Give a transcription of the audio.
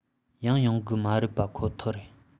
ཡང ཡོང གི མ རེད པ ཁོ ཐག རེད